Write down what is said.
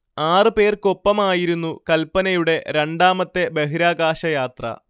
ആറു പേർക്കൊപ്പമായിരുന്നു കൽപനയുടെ രണ്ടാമത്തെ ബഹിരാകാശ യാത്ര